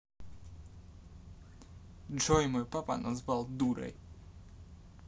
джой мой папа тебя назвал дурой